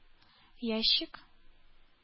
Ящик